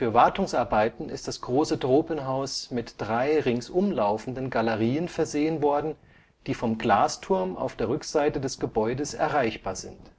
Wartungsarbeiten ist das Große Tropenhaus mit drei ringsum laufenden Galerien versehen worden, die vom Glasturm auf der Rückseite des Gebäudes erreichbar sind